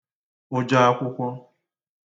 ụjọ akwụkwọ